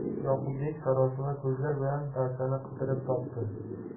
yoqubbek sarosima ko'zlar bilan darchani qidirib topdi